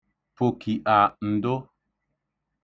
pụ̀kị̀'à (ǹdụ)